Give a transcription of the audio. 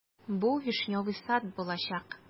Бу "Вишневый сад" булачак.